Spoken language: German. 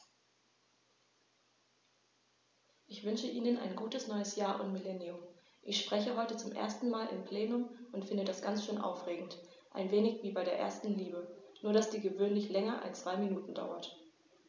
Ich wünsche Ihnen ein gutes neues Jahr und Millennium. Ich spreche heute zum ersten Mal im Plenum und finde das ganz schön aufregend, ein wenig wie bei der ersten Liebe, nur dass die gewöhnlich länger als zwei Minuten dauert.